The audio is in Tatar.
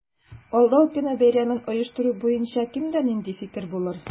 Алдау көне бәйрәмен оештыру буенча кемдә нинди фикер булыр?